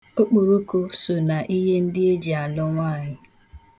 Okporoko so na ihe ndị e ji alụ nwaanyị.